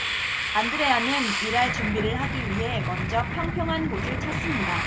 안드레아는 일할 준비를 하기 위해 먼저 평평한 곳을 찾습니다